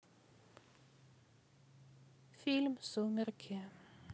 фильм сумерки